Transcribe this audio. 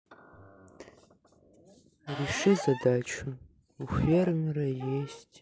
реши задачу у фермера есть